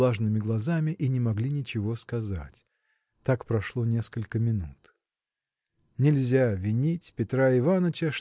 влажными глазами и не могли ничего сказать. Так прошло несколько минут. Нельзя винить Петра Иваныча